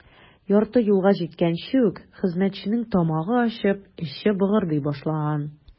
Ярты юлга җиткәнче үк хезмәтченең тамагы ачып, эче быгырдый башлаган.